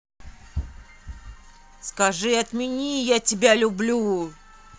скажи отмени я тебя люблю